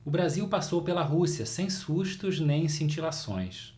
o brasil passou pela rússia sem sustos nem cintilações